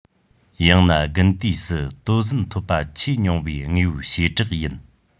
ཡང ན དགུན དུས སུ ལྟོ ཟན ཐོབ པ ཆེས ཉུང པའི དངོས པོའི བྱེ བྲག ཡིན